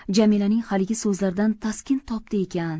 jamilaning haligi so'zlaridan taskin topdi ekan